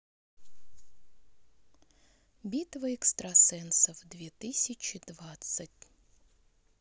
битва экстрасенсов две тысячи двадцать